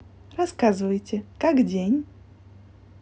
рассказывайте как день